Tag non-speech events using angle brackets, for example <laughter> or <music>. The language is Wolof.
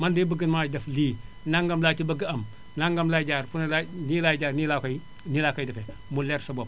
man de bëgg naa def lii nangam laa ci bëgg a am nangam laa jaar fu ne laa nii laay jaar nii laa koy nii laa koy defee <noise> mu leer sa bopp